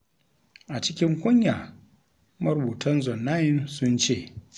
A cikin kunya, marubutan Zone9 sun ce: